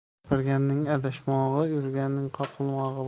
gapiiganning adashmog'i yurganning qoqilmog'i bor